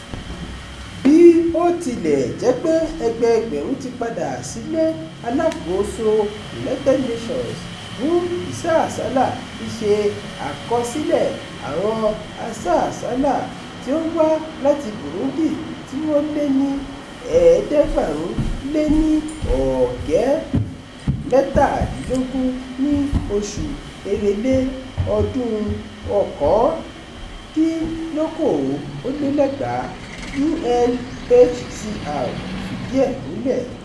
Bí ó tilẹ̀ jẹ́ pé ẹgbẹẹgbẹ̀rún ti padà sílé, alákòóso United Nations fún ìsásàálà ti ṣe àkọsílẹ̀ àwọn asásàálà tí ó wá láti Burundi tí wọ́n lé ní 347,000 ní oṣù Èrèlé 2019, UNHCR fìdí ẹ̀ múlẹ̀: